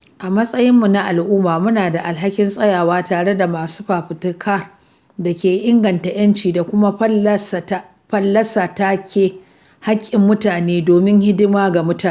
A matsayinmu na al'umma, muna da alhakin tsayawa tare da masu fafutukar da ke inganta ƴanci da kuma fallasa take hakkin mutane domin hidima ga mutane.